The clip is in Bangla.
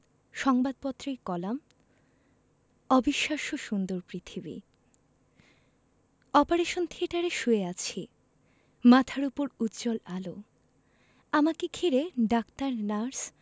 সংবাদপত্রের কলাম অবিশ্বাস্য সুন্দর পৃথিবী অপারেশন থিয়েটারে শুয়ে আছি মাথার ওপর উজ্জ্বল আলো আমাকে ঘিরে ডাক্তার নার্স